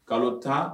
Kalo 10.